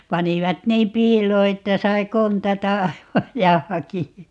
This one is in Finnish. panivat niin piiloon että sai kontata aivan ja hakea